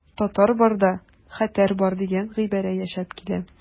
Татар барда хәтәр бар дигән гыйбарә яшәп килә.